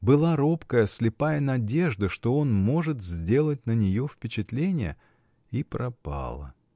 Была робкая, слепая надежда, что он может сделать на нее впечатление, и пропала.